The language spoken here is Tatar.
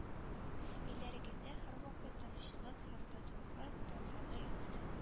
Өйләрегездә һәрвакыт тынычлык һәм татулык тантана итсен